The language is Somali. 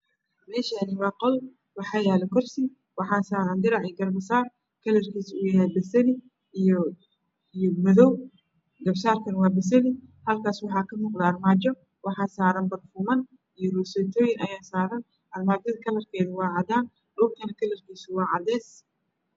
Meshan waa qol waxa yalo kursi waxa saran dilac io garbasar kalarkisa yahay baseli io madow garbasarkan waa baseli halkas waxa kamuqdo armaajo waxa saran barfunyo io roteyso armaajada kalarkedu waa cadan dhulka kalrkis wa cades